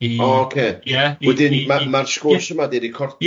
i... Oce... Ie? I-... Wedyn ma'r ma'r sgwrs yma 'di recordio... Ie